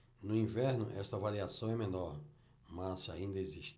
no inverno esta variação é menor mas ainda existe